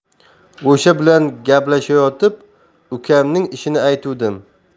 o'sha bilan gaplashayotib ukamning ishini aytuvdim